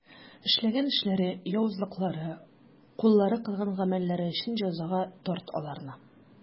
Эшләгән эшләре, явызлыклары, куллары кылган гамәлләре өчен җәзага тарт аларны.